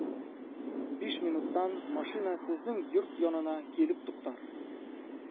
Биш минуттан машина сезнең йорт янына килеп туктар.